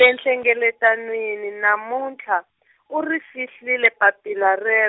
-e nhlengeletanwini namuntlha, u ri fihlile papila re-.